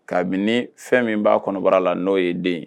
Kabini fɛn min b'a kɔnɔbara la n'o ye den ye